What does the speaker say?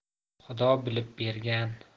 xudo bilib bergan